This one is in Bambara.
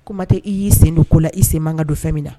Kuma tɛ i y'i senni ko la i sen mankanka don fɛ min na